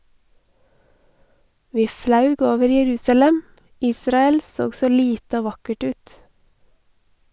«vi flaug over Jerusalem , Israel såg så lite og vakkert ut».N